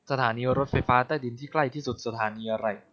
สถานีรถไฟฟ้าใต้ดินที่ใกล้ที่สุดสถานีอะไร